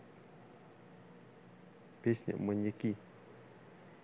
песня маньяки